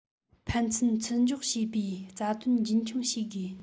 ཕན ཚུན བརྩི འཇོག བྱེད པའི རྩ དོན རྒྱུན འཁྱོངས བྱེད དགོས